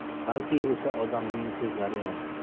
balki usha odamning kuzlari yondi